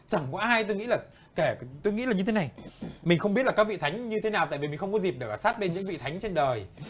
chẳng có ai tôi nghĩ là kể cả tôi nghĩ là như thế này mình không biết là các vị thánh như thế nào tại vì mình không có dịp được ở xát bên những vị thánh trên đời